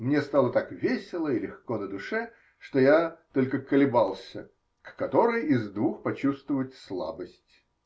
Мне стало так весело и легко на душе, что я только колебался, к которой из двух почувствовать слабость.